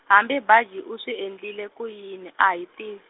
hambi Baji u swi endlile ku yini a hi tivi.